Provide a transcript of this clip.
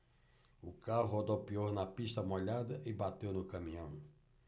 o carro rodopiou na pista molhada e bateu no caminhão